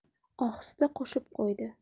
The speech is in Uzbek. ohista qo'shib qo'ydi